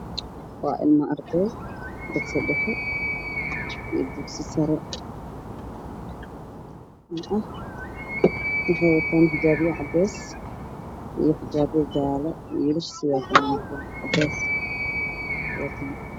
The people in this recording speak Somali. Waa arday meel fadhiyaan isugu jira gabdhiyo wiilal wiilasha waxay wataan shaatiya caddaysiwaale cadaan gabdhaha waxay wataan xijaabo jaalo cabaayado jaalo yaxyaabo cadaan